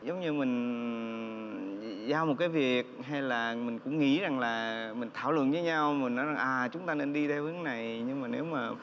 giống như mình giao một cái việc hay là mình cũng nghĩ rằng là mình thảo luận với nhau một lát à chúng ta nên đi theo hướng này nhưng mà nếu mà